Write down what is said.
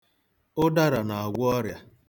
Ụdara na-agwọ ọrịa.